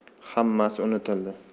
hammasi unutildi